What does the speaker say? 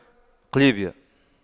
قليبية